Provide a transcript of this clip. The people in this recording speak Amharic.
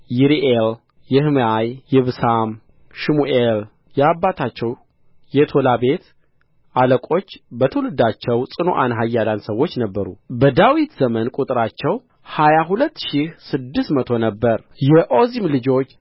ይሪኤል የሕማይ ይብሣም ሽሙኤል የአባታቸው የቶላ ቤት አለቆች በትውልዳቸው ጽኑዓን ኃያላን ሰዎች ነበሩ በዳዊት ዘመን ቍጥራቸው ሀያ ሁለት ሺህ ስድስት መቶ ነበረ የኦዚም ልጆች